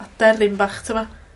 aderyn bach t'mo'?